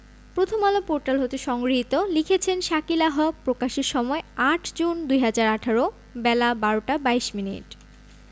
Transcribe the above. Prothom Alo portal হতে সংগৃহীত লিখেছেন শাকিলা হক প্রকাশের সময় ৮জুন ২০১৮ বেলা ১২টা ২২মিনিট